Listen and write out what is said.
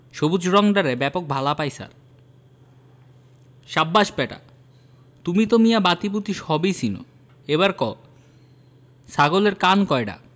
সবুজ রংডারে ব্যাপক ভালা পাই ছার সাব্বাস ব্যাটা তুমি তো মিয়া বাতিবুতি সবই চেনো এইবার কও ছাগলের কান কয়ডা